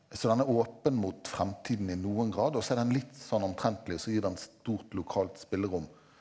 så den er åpen mot fremtiden i noen grad og så er den litt sånn omtrentlig og så gir den stort lokalt spillerom.